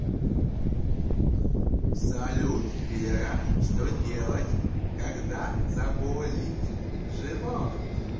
салют вера что делать когда заболит живот